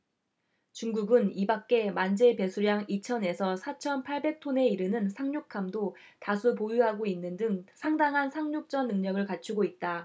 중국은 이밖에 만재배수량 이천 에서 사천 팔백 톤에 이르는 상륙함도 다수 보유하고 있는 등 상당한 상륙전 능력을 갖추고 있다